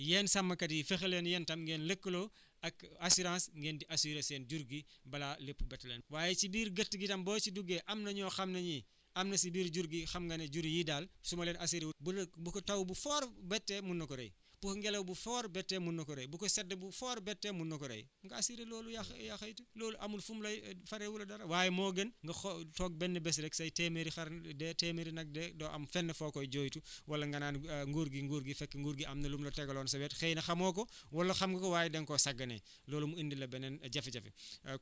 yéen sàmmkat yi fexe leen yéen tam lëkkaloo ak assurance ngeen di assurer seen jur gi balaa lépp bett leen waaye si biir gétt gi tam boo si duggee am na ñoo xam ne ni am na si biir jur gi xam nga ne jur yii daal su ma leen assurer wut bu ko bu ko taw bu fort bettee mun na ko rey bu ko ngelaw bu fort bettee mun na ko rey bu ko sedd bu fort bettee mun na ko rey nga assurer loolu yaa xayti loolu amul fum lay faree wala dara waaye moo gën nga xoo toog benn bés rek say téeméeri xar dee téeméeri nag dee doo am fenn foo koy jooytu wala nga naan nguur gi nguur gi fekk nguur gi am na lu mu la tegaloon sa wet xëy na xamoo ko wala xam nga ko waaye da nga koo saganee loolu mu indil la beneen jafe-jafe